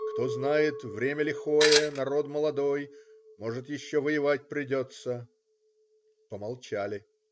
кто знает, время лихое народ молодой, может, еще воевать придется". Помолчали.